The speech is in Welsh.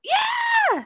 Ie!